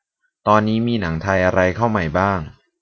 ตอนนี้มีหนังไทยอะไรเข้าใหม่บ้าง